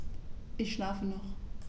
Ich schlafe noch.